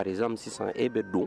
Araz sisan e bɛ don